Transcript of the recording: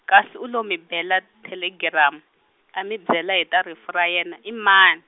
kasi u lo mi bela thelegiramu, a mi byela hi ta rifu yena i mani?